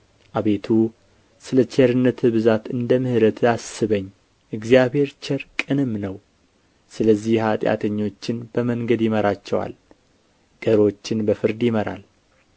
አቤቱ ስለ ቸርነትህ ብዛት እንደ ምሕረትህ አስበኝ እግዚአብሔር ቸር ቅንም ነው ስለዚህ ኃጢአተኞችን በመንገድ ይመራቸዋል ገሮችን በፍርድ ይመራል